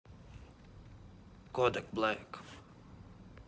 kodak black